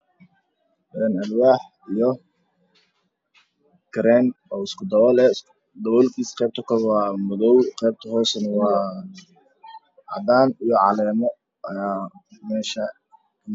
Alwaad iyo kareen isku dabool ah iyo caleemo cagaar ah